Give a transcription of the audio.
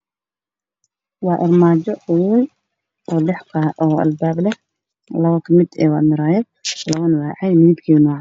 Waa qoor waxaa yaalla armaajo midabkeedu yahay caddaan waxa ay leedahay laba qaanad iyo labo qaaneed oo dhalo ah